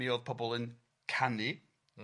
mi o'dd pobol yn canu... Mm...